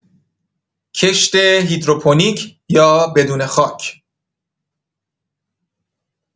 کشت هیدروپونیک یا بدون خاک